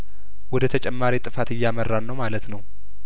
ወደ ተጨማሪ ጥፋት እያመራን ነው ማለት ነው